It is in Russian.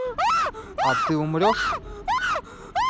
а ты умрешь